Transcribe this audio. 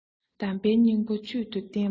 གདམས པའི སྙིང བོ བཅུད དུ བསྟེན པ འདྲ